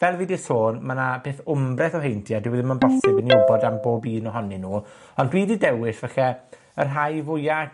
fel fi 'di sôn, ma' 'na peth wmbreth o heintie dyw e ddim yn bosib i ni wbod am bob un ohonyn nw, ond dwi 'di dewis, falle, y rhai fwya